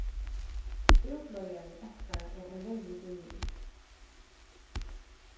útleigari okkara er ein verri gívur